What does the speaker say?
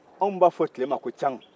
anw b'a fɔ tile ma ka camu